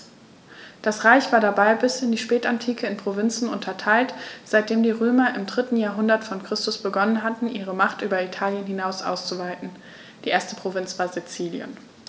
Das Reich war dabei bis in die Spätantike in Provinzen unterteilt, seitdem die Römer im 3. Jahrhundert vor Christus begonnen hatten, ihre Macht über Italien hinaus auszuweiten (die erste Provinz war Sizilien).